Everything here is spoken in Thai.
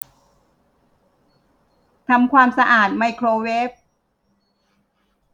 ทำความสะอาดไมโครเวฟ